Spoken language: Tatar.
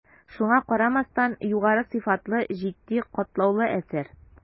Шуңа карамастан, югары сыйфатлы, житди, катлаулы әсәр.